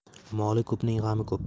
moli ko'pning g'ami ko'p